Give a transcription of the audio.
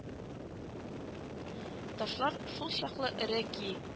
Ташлар шулчаклы эре ки